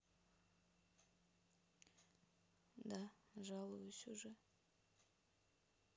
да жалуюсь уже